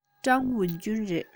ཀྲང ཝུན ཅུན རེད